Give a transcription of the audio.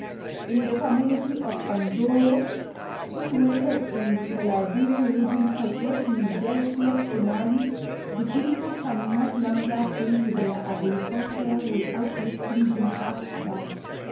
In the community of Anzourou, situated in the Tillabéri region [south-west Niger, close to Mali], the people can no longer tend to their agricultural without risking being hacked down.